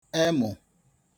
ẹmụ